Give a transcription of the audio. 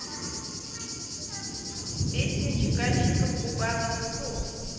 песня чеканщиков губа на губу